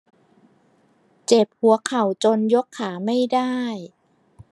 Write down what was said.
เจ็บหัวเข่าจนยกขาไม่ได้